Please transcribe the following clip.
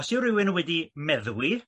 os yw rywun wedi meddwi